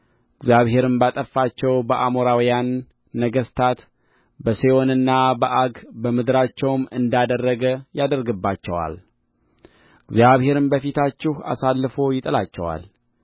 እግዚአብሔርም ባጠፋቸው በአሞራውያን ነገሥታት በሴዎንና በዐግ በምድራቸውም እንዳደረገ ያደርግባቸዋል እግዚአብሔርም በፊታችሁ አሳልፎ ይጥላቸዋል